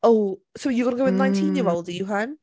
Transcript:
Oh so you're gonna go with a... mm! ...nineteen year old are you hun?